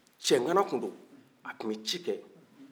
cɛgana kun do a kun bɛ ci kɛ